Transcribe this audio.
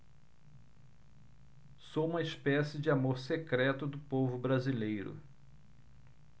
sou uma espécie de amor secreto do povo brasileiro